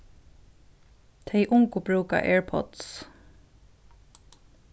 tey ungu brúka airpods